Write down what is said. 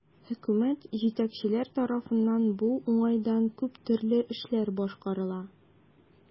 Хөкүмәт, җитәкчеләр тарафыннан бу уңайдан күп төрле эшләр башкарыла.